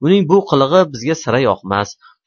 uning bu qilig'i bizga sira yoqmas